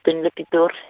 -bheni ePitori.